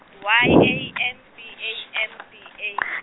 Y A M B A M B A .